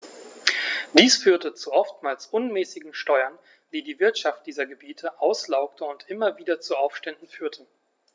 Dies führte zu oftmals unmäßigen Steuern, die die Wirtschaft dieser Gebiete auslaugte und immer wieder zu Aufständen führte.